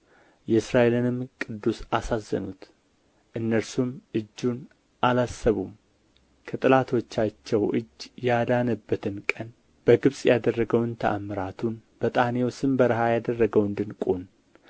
የእስራኤልንም ቅዱስ አሳዘኑት እነርሱም እጁን አላሰቡም ከጠላቶቻቸው እጅ ያዳነበትን ቀን በግብጽ ያደረገውን ተኣምራቱን በጣኔዎስም በረሃ ያደረገውን ድንቁን